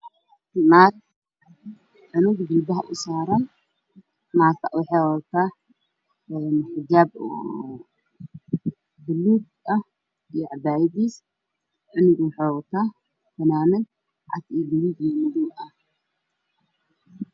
Naag cunug jilbaha u saaran naagta waxay wadataa xijaab buluug ah iyo cabaayadiis cunuga wuxu wataa funaanad cad iyo buluug iyo madow ah